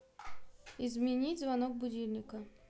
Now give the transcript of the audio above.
изменить звук будильника